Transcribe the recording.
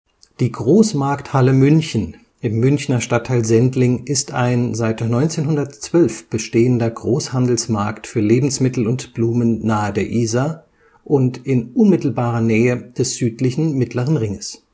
Die Großmarkthalle München im Münchner Stadtteil Sendling ist ein seit 1912 bestehender Großhandelsmarkt für Lebensmittel und Blumen nahe der Isar und in unmittelbarer Nähe des südlichen Mittleren Ringes